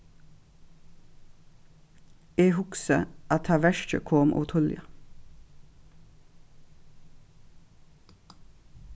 eg hugsi at tað verkið kom ov tíðliga